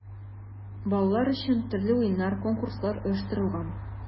Балалар өчен төрле уеннар, конкурслар оештырылган.